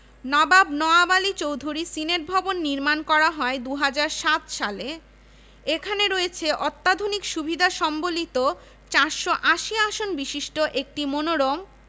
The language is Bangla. ভর্তির ব্যাপারে সহায়তার জন্য ১৯৫২ সালে Dhaka University Students Information Bureau খোলা হয় ছাত্রসংখ্যা বৃদ্ধি